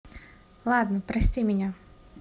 ладно прости меня